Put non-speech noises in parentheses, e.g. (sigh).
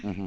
(hesitation) (hesitation)